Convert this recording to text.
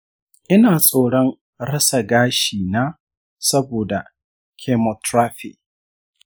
ina tsoron rasa gashi na saboda chemotherapy.